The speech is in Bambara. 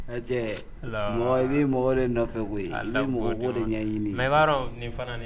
Mɔgɔ i bɛ mɔgɔ de nɔfɛ ko ale mɔgɔ de ɲɛɲini